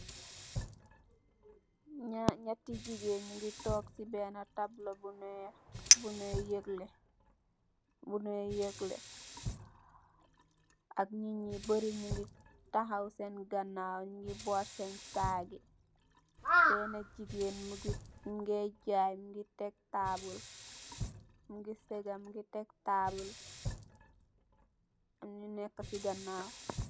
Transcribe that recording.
Njaa njehti gigain njungy tok cii benah tableau buneh, bu njoi yegleh, bu njoi yegleh, ak nitt njee bari njungy takhaw sen ganaw, njungy bott sen sac yii, benah gigain mungy, mungeh jaii, mungy tek taabul, mungy sehgah mungy tek taabul, amn nju neka cii ganaw.